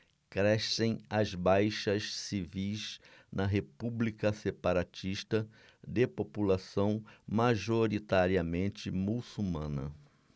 crescem as baixas civis na república separatista de população majoritariamente muçulmana